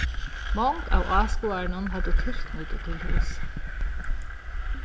mong av áskoðarunum høvdu tilknýti til húsið